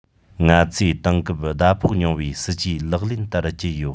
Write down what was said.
ང ཚོས དེང སྐབས ཟླ ཕོགས ཉུང བའི སྲིད ཇུས ལག ལེན བསྟར གྱི ཡོད